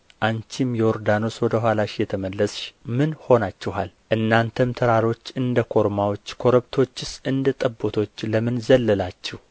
አንቺም ዮርዳኖስ ወደ ኋላሽ የተመለስሽ ምን ሆናችኋል እናንተም ተራሮች እንደ ኮርማዎች ኮረብቶችስ እንደ ጠቦቶች ለምን ዘለላችሁ